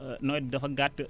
nawet bi dafa gàtt